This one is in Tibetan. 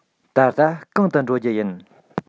ད ལྟ གང དུ འགྲོ རྒྱུ ཡིན